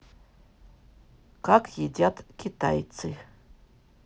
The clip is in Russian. как едят китайцы